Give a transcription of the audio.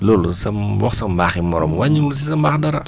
loolu sa wax sa mbaaxi morom wàññiwul si sa mbaax dara